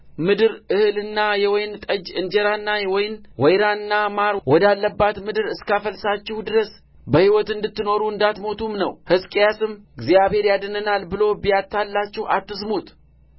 ምድር እህልና የወይን ጠጅ እንጀራና ወይን ወይራና ማር ወዳለባት ምድር እስካፈልሳችሁ ድረስ በሕይወት እንድትኖሩ እንዳትሞቱም ነው ሕዝቅያስም እግዚአብሔር ያድነናል ብሎ ቢያታልላችሁ አትስሙት